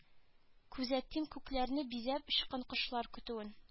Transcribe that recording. Күзәтим күкләрне бизәп очкан кошлар көтүен